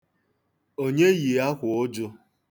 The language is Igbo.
Onye yi akwaụjụ?